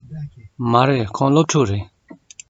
མ རེད ཁོང སློབ ཕྲུག རེད